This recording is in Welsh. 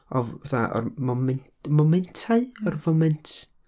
f- fatha, o'r momen- momentau? Yr foment.